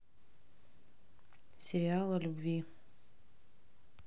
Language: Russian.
сериал о любви